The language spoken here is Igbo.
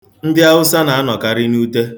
Ndị Awụsa na-anọkarị n'ute.